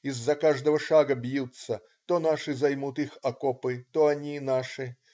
Из-за каждого шага бьются, то наши займут их окопы, то они - наши.